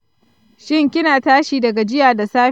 shin kina tashi da gajiya da safe?